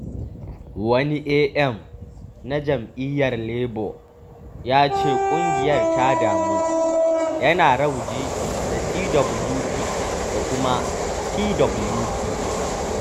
Wani AM na Jam’iyyar Labour ya ce ƙungiyar ta damu "yana rauji da Twp da kuma Pwp."